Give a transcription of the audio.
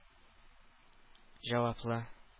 Җаваплы